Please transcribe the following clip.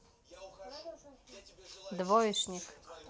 двоечник